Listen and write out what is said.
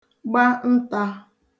gba ntā